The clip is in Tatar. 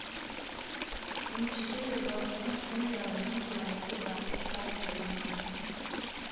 Унҗиде елгасының уң ярыннан километр ераклыкта лельма